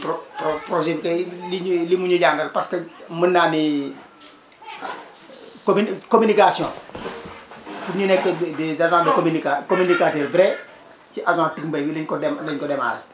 pro projet bi kay li ñu li mu ñu jàngal parce que mën naa ni commun communication pour ñu nekk des des agents de communica communicateur vrai ci agent Ticmbay bii la ñu ko dem la ñu ko demarrer